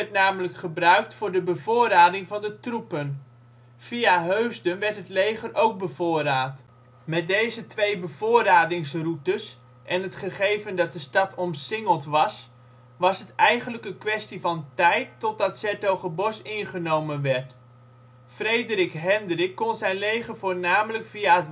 namelijk gebruikt voor de bevoorrading van de troepen. Via Heusden werd het leger ook bevoorraad. Met deze twee bevoorradingsroutes en het gegeven dat de stad omsingeld was, was het eigenlijk een kwestie van tijd totdat ' s-Hertogenbosch ingenomen werd. Frederik Hendrik kon zijn leger voornamelijk via